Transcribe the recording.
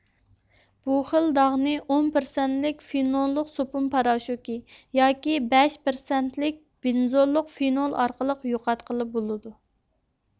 بۇ خىل داغنى ئون پىرسەنتلىك فىنوللۇق سوپۇن پاراشوكى ياكى بەش پىرسەنتلىك بېنزوللۇق فىنول ئارقىلىق يوقاتقىلى بولىدۇ